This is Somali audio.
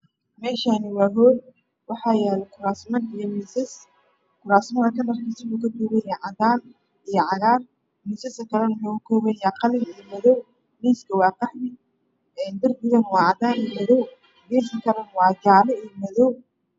Meshaan wa hool waxaa yalo kuraas iyo miisas kurta waxey kakoopan yihiin cagaar iyo cadaan miiska waxa uu kakaoopan yahy qalin madow miiska waa qaxwi darpigana wa cadaan iyo madow geeska kalene waa jaalo iyo madow